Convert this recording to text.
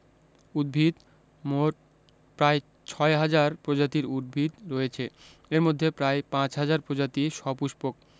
উদ্ভিদঃ মোট প্রায় ৬ হাজার প্রজাতির উদ্ভিদ রয়েছে এর মধ্যে প্রায় ৫ হাজার প্রজাতি সপুষ্পক